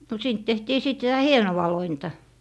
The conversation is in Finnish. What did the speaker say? no siitä tehtiin sitten sitä hienoa lointa